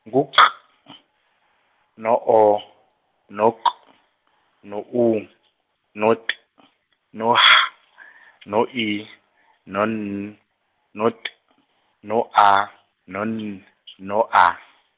ngu K , no O, no K , no U, no T , no H , no I, no N, no T , no A, no N, no A.